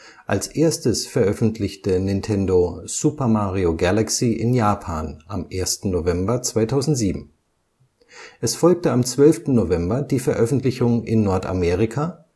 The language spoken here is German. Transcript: Als erstes veröffentlichte Nintendo Super Mario Galaxy in Japan am 1. November 2007. Es folgte am 12. November die Veröffentlichung in Nordamerika